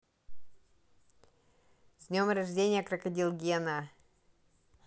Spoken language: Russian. с днем рождения крокодил гена